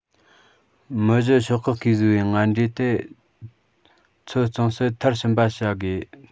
མི བཞི ཤོག ཁག གིས བཟོས པའི ངན འབྲས དེ ཚོ གཙང སེལ མཐར ཕྱིན པར བྱ དགོས